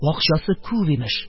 Акчасы күп, имеш;